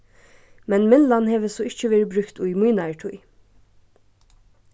men myllan hevur so ikki verið brúkt í mínari tíð